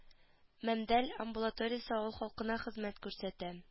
Мәмдәл амбулаториясе авыл халкына хезмәт күрсәтә